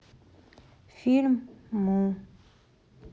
фильм му